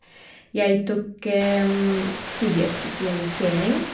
Jeg tok studiespesialisering.